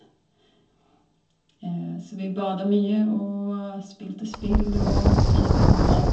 Så vi bada mye og spilte spill og spiste god mat.